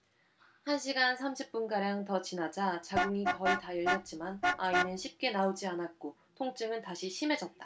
한 시간 삼십 분가량 더 지나자 자궁이 거의 다 열렸지만 아기는 쉽게 나오지 않았고 통증은 다시 심해졌다